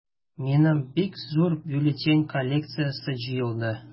Минем бик зур бюллетень коллекциясе җыелды.